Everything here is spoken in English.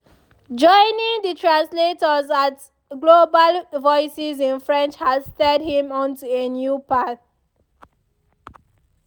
Joining the translators team at Global Voices in French has steered him onto a new path.